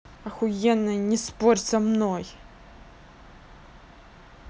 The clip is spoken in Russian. охуенная не спорь со мной